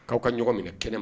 K'aw ka ɲɔgɔn minɛ kɛnɛ m